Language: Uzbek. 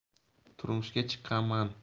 turmushga chiqqanman